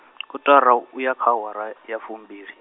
kotara u ya kha awara, ya fumbili.